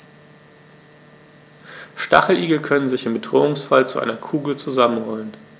Stacheligel können sich im Bedrohungsfall zu einer Kugel zusammenrollen.